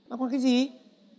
băn khoăn cái gì